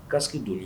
casque don.